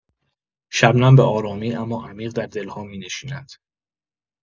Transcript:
شبنم به‌آرامی اما عمیق در دل‌ها می‌نشیند.